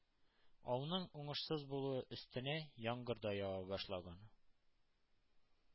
Ауның уңышсыз булуы өстенә, яңгыр да ява башлаган.